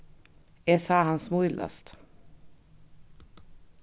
eg sá hann smílast